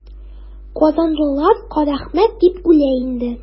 Казанлылар Карәхмәт дип үлә инде.